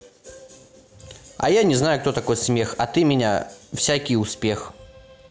а я не знаю кто такой смех а ты меня всякий успех